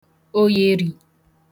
òyèrì